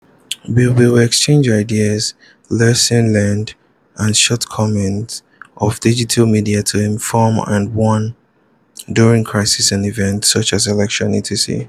We will exchange ideas, lesson learned and shortcomings of digital media to inform and warn during crisis or events ( such as elections etc…).